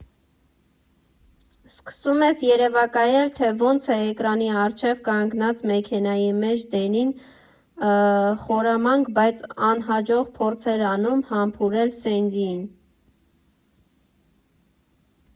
Սկսում ես երևակայել, թե ոնց է էկրանի առջև կանգնած մեքենայի մեջ Դենին խորամանկ, բայց անհաջող փորձեր անում համբուրել Սենդիին։